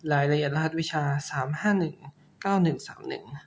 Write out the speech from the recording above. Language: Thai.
รายละเอียดรหัสวิชาสามห้าหนึ่งเก้าหนึ่งสามหนึ่ง